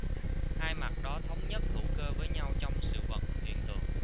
hai mặt đó thống nhất hữu cơ với nhau trong sự vật hiện tượng